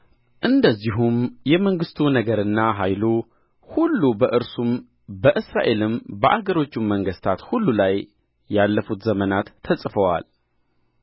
እንደዚሁም የመንግሥቱ ነገርና ኃይሉ ሁሉ በእርሱም በእስራኤልም በአገሮችም መንግሥታት ሁሉ ላይ ያለፉት ዘመናት ተጽፈዋል